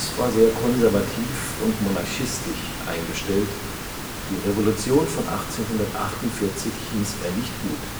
war sehr konservativ und monarchistisch eingestellt, die Revolution von 1848 hieß er nicht gut